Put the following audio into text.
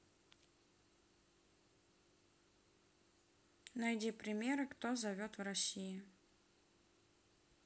найди примеры кто зовет в россии